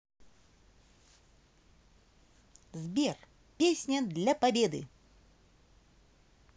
сбер песня день победы